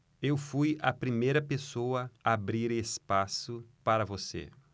eu fui a primeira pessoa a abrir espaço para você